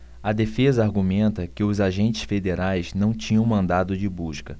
a defesa argumenta que os agentes federais não tinham mandado de busca